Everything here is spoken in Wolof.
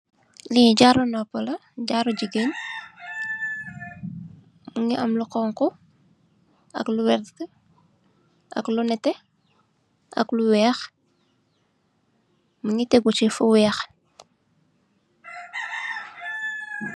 Li jaru nopuh la, jaru jigeen mugii am lu xonxu ak lu werta ak lu netteh ak lu wèèx mugii tégu ci fu wèèx.